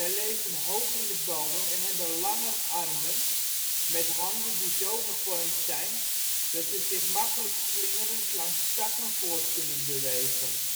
leven hoog in de bomen en hebben lange armen, met handen die zo gevormd zijn dat ze zich makkelijk slingerend langs takken voort kunnen bewegen